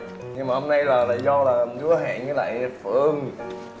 nhưng mà hôm nay là do là có hẹn với phương